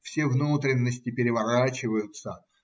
все внутренности переворачиваются.